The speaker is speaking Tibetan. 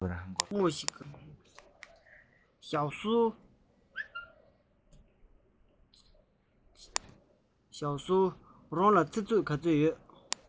ཞའོ སུའུ རང ལ ཚིག མཛོད ག ཚོད ཡོད